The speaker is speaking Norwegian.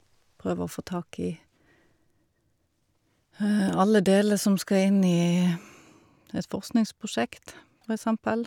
Prøve å få tak i alle deler som skal inn i et forskningsprosjekt, for eksempel.